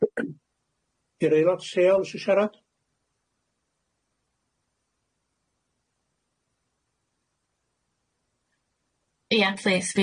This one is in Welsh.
Di'r aelod lleol isho sharad?